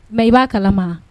M i b'a kalama